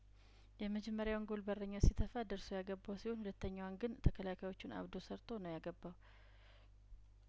የመጀመሪያውን ጐል በረኛው ሲተፋ ደርሶ ያገባ ሲሆን ሁለተኛዋን ግን ተከላካዮቹን አብዶ ሰርቶ ነው ያገባው